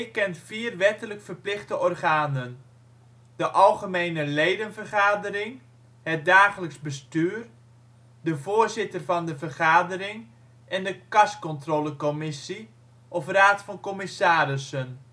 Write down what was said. kent vier wettelijk verplichte organen: de algemene ledenvergadering, het dagelijks bestuur, de voorzitter van de (leden) vergadering en de kascontrolecommissie (of Raad van commissarissen